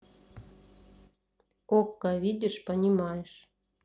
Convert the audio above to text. okko видишь понимаешь